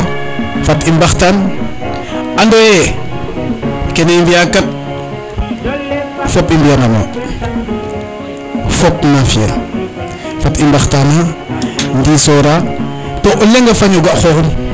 fat i mbaxtan ande kene i mbiya kat fop i mbiya nano yo fop na fiyel fat i mbaxtana ndisora to o leŋ a faño ga xoxum